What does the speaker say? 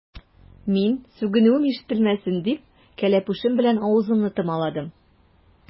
Мин, сүгенүем ишетелмәсен дип, кәләпүшем белән авызымны томаладым.